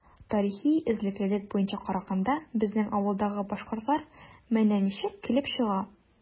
Тарихи эзлеклелек буенча караганда, безнең авылдагы “башкортлар” менә ничек килеп чыга.